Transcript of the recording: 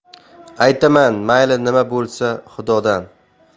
aytaman mayli nima bo'lsa xudodan